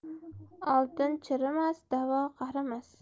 oltin chirimas da'vo qarimas